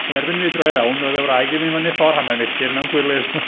Ond erbyn fi droi rownd, oedd y wraig 'di mynd fyny ffordd hanner milltir mewn cywilydd!